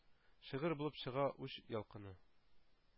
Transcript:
Шигырь булып чыга үч ялкыны